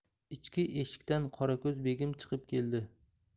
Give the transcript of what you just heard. ichki eshikdan qorako'z begim chiqib keldi